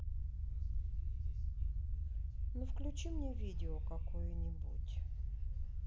ну включи мне видео какое нибудь